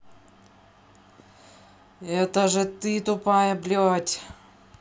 это же ты тупая блядь